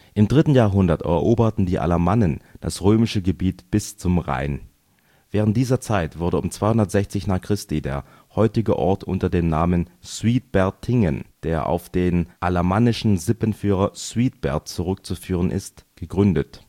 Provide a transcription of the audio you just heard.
Im 3. Jahrhundert eroberten die Alamannen das römische Gebiet bis zum Rhein. Während dieser Zeit wurde um 260 n. Chr. der heutige Ort unter dem Namen Suidbert-ingen, der auf den alamannischen Sippenführer Suidbert zurückzuführen ist, gegründet